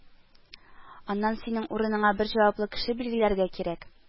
Аннан синең урыныңа бер җаваплы кеше билгеләргә кирәк